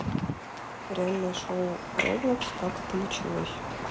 реальное шоу роблокс как это началось